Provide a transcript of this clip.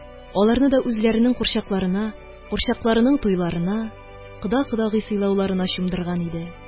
Аларны да үзләренең курчакларына, курчакларының туйларына, кода-кодагый сыйлауларына чумдырган иде